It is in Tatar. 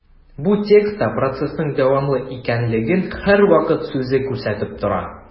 Бу текстта процессның дәвамлы икәнлеген «һәрвакыт» сүзе күрсәтеп тора.